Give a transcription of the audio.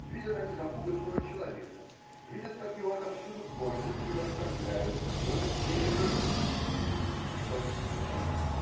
Видят они запуганного человека, видят, как его отовсюду гонят и всюду оскорбляют, и он не смеет огрызнуться. А что они слышат?